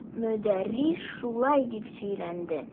Мөдәррис шулай дип сөйләнде.